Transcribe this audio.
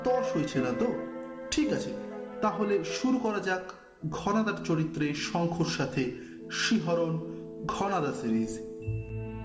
তর সইছে না তো ঠিক আছে তাহলে শুরু করা যাক ঘন দার চরিত্রে শঙ্খর সাথে শিহরন ঘনা দা সিরিজ